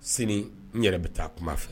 Sini n yɛrɛ bɛ taa kuma fɛ